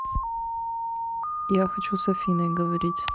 я хочу с афиной говорить